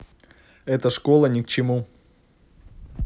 эта школа ни к чему